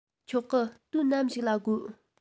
ཆོག གི དུས ནམ ཞིག ལ དགོས